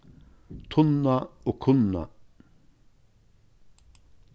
tunna og kunna